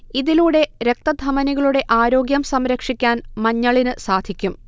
ഇതിലൂടെ രക്തധമനികളുടെ ആരോഗ്യം സംരക്ഷിക്കാൻ മഞ്ഞളിന് സാധിക്കും